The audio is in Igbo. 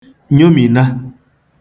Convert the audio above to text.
nyomina